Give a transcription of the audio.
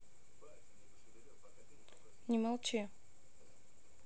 не молчи